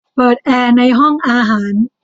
เปิดแอร์ในห้องอาหาร